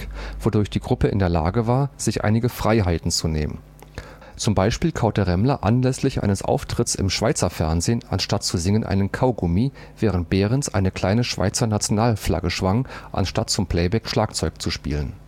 in der Lage war, sich einige Freiheiten zu nehmen. Zum Beispiel kaute Remmler anlässlich eines Auftritts im Schweizer Fernsehen anstatt zu singen einen Kaugummi, während Behrens eine kleine Schweizer Nationalflagge schwang, anstatt zum Playback Schlagzeug zu spielen